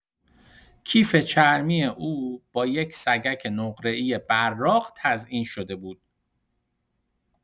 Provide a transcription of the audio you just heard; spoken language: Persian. کیف چرمی او با یک سگک نقره‌ای براق تزئین شده بود.